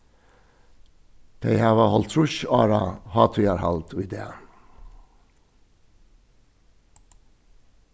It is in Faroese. tey hava hálvtrýss ára hátíðarhald í dag